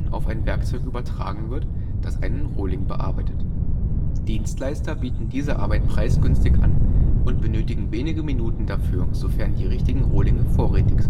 auf ein Werkzeug übertragen wird, das einen Rohling bearbeitet. Dienstleister bieten diese Arbeit preisgünstig an und benötigen wenige Minuten dafür, sofern die richtigen Rohlinge vorrätig